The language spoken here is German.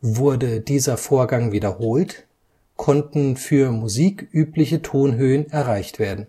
Wurde dieser Vorgang wiederholt, konnten für Musik übliche Tonhöhen erreicht werden.